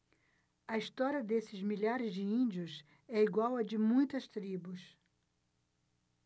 a história desses milhares de índios é igual à de muitas tribos